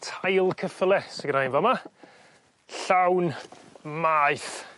tail ceffyle sy gynna i yn fa' 'ma. llawn maeth